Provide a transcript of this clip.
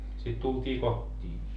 sitten tultiin kotiin